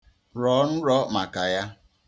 Rọọ nrọ maka ya.